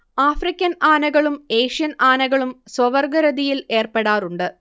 African ആനകളും Asian ആനകളും സ്വവർഗ്ഗരതിയിൽ ഏർപ്പെടാറുണ്ട്